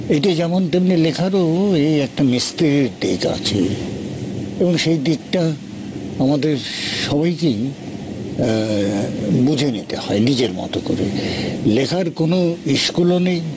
এটা যেমন তেমনি লেখারও একটা মিস্ত্রির দিক আছে এবং সেই দিকটা আমাদের সবাইকেই বুঝে নিতে হয় নিজের মত করে লেখার কোন ইস্কুল ও নেই